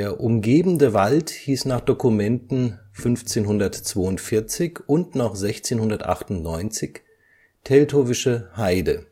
umgebende Wald hieß nach Dokumenten 1542 und noch 1698 „ Teltowische Heide